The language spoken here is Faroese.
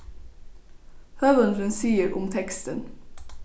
høvundurin sigur um tekstin